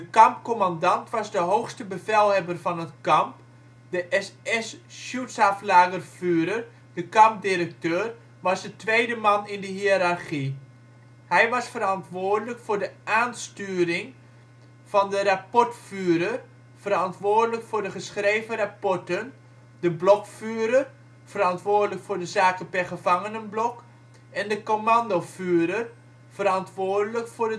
kampcommandant was de hoogste bevelhebber van het kamp. De SS-Schutzhaftlagerführer (kampdirecteur) was de tweede man in de hiërarchie. Hij was verantwoordelijk voor de aansturing van de Rapportführer (verantwoordelijk voor de geschreven rapporten), de Blockführer (verantwoordelijk voor de zaken per gevangenenblok) en de Kommandoführer (verantwoordelijk voor